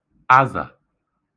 azà